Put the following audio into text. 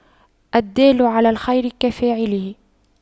الدال على الخير كفاعله